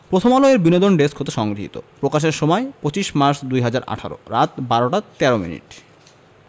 প্রথমআলো এর বিনোদন ডেস্ক হতে সংগৃহীত প্রকাশের সময় ২৫মার্চ ২০১৮ রাত ১২ টা ১৩ মিনিট